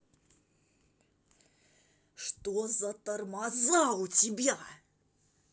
что за тормоза у тебя